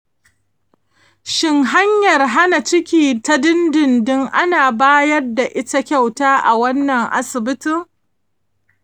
shin hanyar hana ciki ta dindindin ana bayar da ita kyauta a wannan asibitin?